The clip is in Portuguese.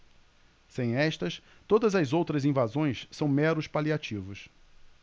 sem estas todas as outras invasões são meros paliativos